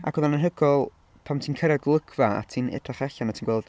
Ac oedd o'n anhygoel pan ti'n cyrraedd golygfa a ti'n edrych allan a ti'n gweld...